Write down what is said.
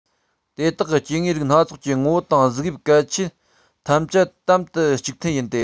དེ དག གི སྐྱེ དངོས རིགས སྣ ཚོགས ཀྱི ངོ བོ དང གཟུགས དབྱིབས གལ ཆེན ཐམས ཅད དམ དུ གཅིག མཐུན ཡིན ཏེ